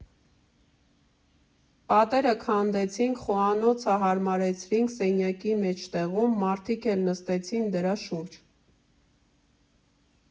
Պատերը քանդեցինք, խոհանոցը հարմարեցրինք սենյակի մեջտեղում, մարդիկ էլ նստեցին դրա շուրջ։